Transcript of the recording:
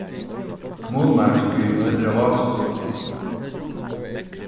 kommunumaðurin spyr hvat er á vási